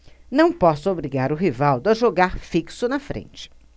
não posso obrigar o rivaldo a jogar fixo na frente